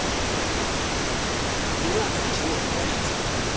не надо ничего говорить